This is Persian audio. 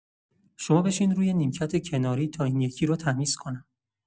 شما بشین روی نیمکت کناری تا این یکی رو تمیز کنم.